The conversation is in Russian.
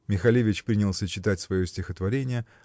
Михалевич принялся читать свое стихотворение